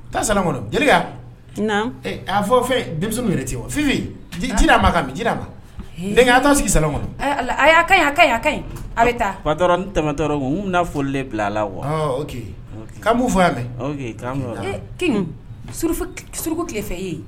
K'a sa kɔnɔ jerika na a fɔ fɛn denmisɛn yɛrɛ tɛ wa fɛn yen'a ma ka ji' a ma denkɛ' sigi sa kɔnɔ a y'a ka a ka' ka ɲi a bɛ taa tamatɔ'a folilen bila a la wa'' fɔ yan mɛn kin suruku tilefɛ e yen